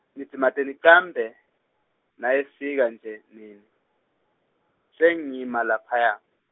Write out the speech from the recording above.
Nidzimate nicambe nayefika nje nine, sengima laphaya.